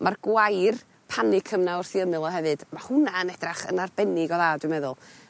Ma'r gwair panicum 'na wrth 'i ymyl o hefyd ma' hwnna yn edrach yn arbennig o dda dwi meddwl.